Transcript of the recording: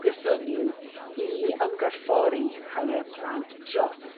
gwthio n'w i ymgorffori hawliau plant dros